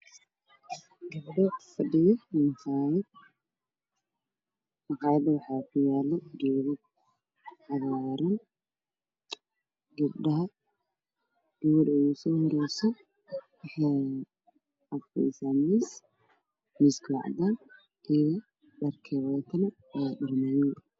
Gabdho fadhiyo makhaayad makahyada waxaa kuyaalo geedo miiska waa cadaan dharka waa madaw